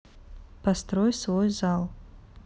построй свой зал